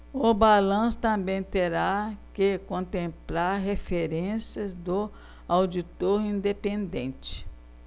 o balanço também terá que contemplar referências do auditor independente